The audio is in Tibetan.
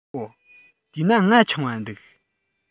འོ དེས ན ང ཆུང བ འདུག